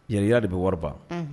Yɛrɛ yira de de bɛ wari ban!